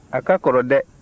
a ka kɔrɔ dɛ